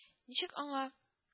Ничек аңа